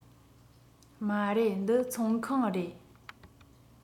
མ རེད འདི ཚོང ཁང རེད